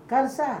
Karisa